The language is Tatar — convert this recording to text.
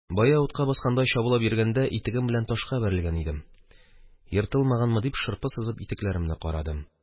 Бая, утка баскандай чабулап йөргәндә, итегем белән ташка бәрелгән идем, ертылмаганмы дип, шырпы сызып, итекләремне карадым.